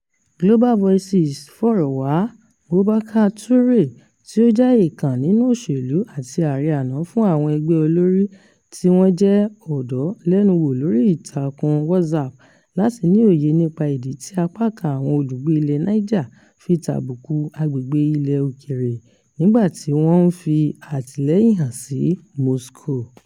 Global Voices fọ̀rọ̀wá Boubacar Touré tí ó jẹ́ èèkàn nínú òṣèlú àti ààrẹ àná fún àwọn ẹgbẹ́ olórí tí wọ́n jẹ́ ọ̀dọ́ lẹ́nu wò lórí ìtàkùn Whatsapp láti ní òye nípa ìdí tí apá kan àwọn olùgbé ilẹ̀ Niger fi tàbùkù àgbègbè ilẹ̀ òkèèrè nígbà tí wọ́n ń fi àtìlẹ́yìn hàn sí Moscow.